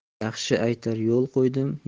yaxshi aytar yo'l qo'ydim